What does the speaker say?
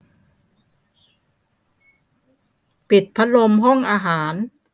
ปิดพัดลมห้องอาหาร